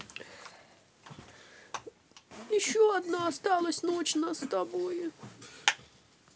еще одна осталась ночь на с тобой